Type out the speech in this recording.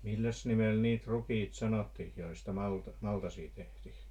milläs nimellä niitä rukiita sanottiin joista - maltasia tehtiin